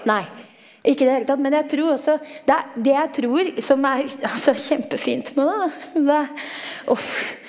nei ikke i det hele tatt, men jeg tror også det er det jeg tror som er altså kjempefint med det da uff.